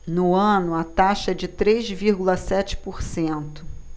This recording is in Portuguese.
no ano a taxa é de três vírgula sete por cento